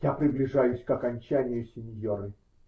-- Я приближаюсь к окончанию, синьоры.